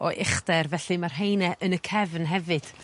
o uchder felly ma'r rheine yn y cefn hefyd.